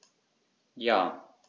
Ja.